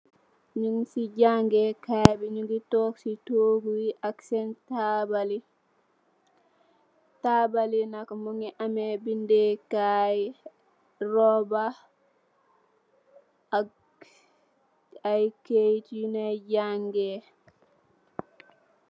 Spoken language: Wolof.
Noung ci janngee kaiye bii noungee tok cii aye togou ak cen tabol yi tabal yii nak nougui ammeh bendey kaye ak cen kayiit